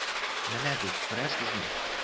Менә бит, күрәсезме.